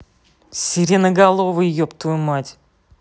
сиреноголовый еб твою мать